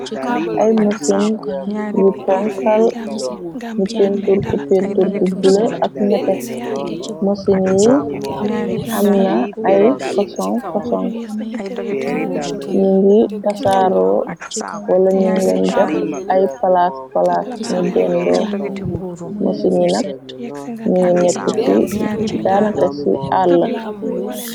Ay mosin yu ponkal, nu pentur ku pentur bi bule ak nete, mosin yi am na ay xosong xosoŋg, ni ngi tasaaro, wala ñun leen def ay palaas palaas nu dendoo, mësingi nak ni ngi nekk ci danaka ci àll.